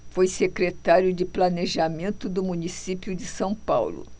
foi secretário de planejamento do município de são paulo